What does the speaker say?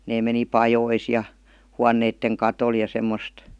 ne meni pajoihin ja huoneiden katolle ja semmoista